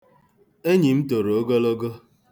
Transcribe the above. Enyi toro ogologo.